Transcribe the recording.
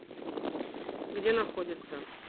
где находится